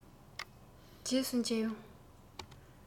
རྗེས སུ མཇལ ཡོང